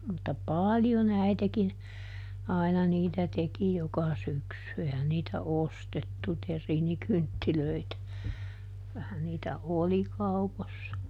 mutta paljon äitikin aina niitä teki joka syksy eihän niitä ostettu terriinikynttilöitä kyllähän niitä oli kaupoissa